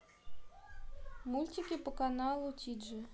мультики по каналу тиджи